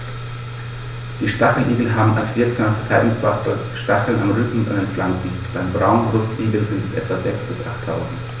Die Stacheligel haben als wirksame Verteidigungswaffe Stacheln am Rücken und an den Flanken (beim Braunbrustigel sind es etwa sechs- bis achttausend).